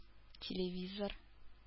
Телевизор